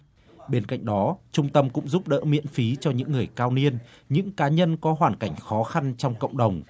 bên cạnh đó trung tâm cũng giúp đỡ miễn phí cho những người cao niên những cá nhân có hoàn cảnh khó khăn trong cộng đồng